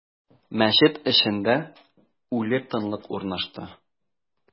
Мәчет эчендә үле тынлык урнашты.